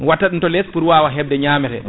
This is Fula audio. watta ɗum to less pour wawa hebde to ñamate